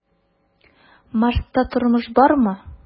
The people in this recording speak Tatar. "марста тормыш бармы?"